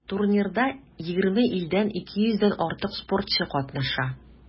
Турнирда 20 илдән 200 дән артык спортчы катнаша.